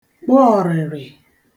gba ọ̀rị̀rị̀